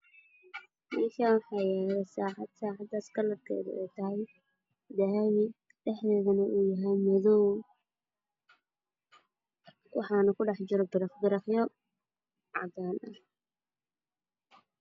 Meshaan waxaa yaalo saacad sacadas kalar keedu ey tahay dahabi dhex deedana ow yahay madoow waxaana ku dhex jiro biriq biriqyo cadan ah